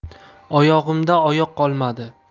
oyog'imda oyoq qolmadi